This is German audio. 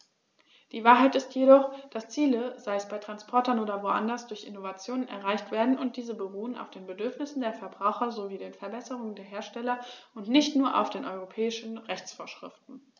Die Wahrheit ist jedoch, dass Ziele, sei es bei Transportern oder woanders, durch Innovationen erreicht werden, und diese beruhen auf den Bedürfnissen der Verbraucher sowie den Verbesserungen der Hersteller und nicht nur auf europäischen Rechtsvorschriften.